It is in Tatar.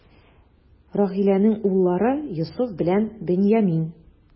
Рахиләнең уллары: Йосыф белән Беньямин.